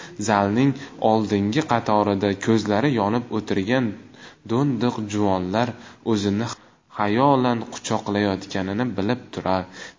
zalning oldingi qatorida ko'zlari yonib o'tirgan do'ndiq juvonlar o'zini xayolan quchoqlayotganini bilib turar